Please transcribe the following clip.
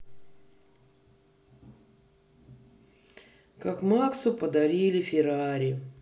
как максу подарили феррари